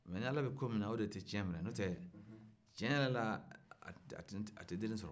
mɛ ni ala bɛ ko minna o tɛ tiɲɛ mɛnɛ n'o tɛ diɲɛ yɛrɛ la a tɛ deni sɔrɔ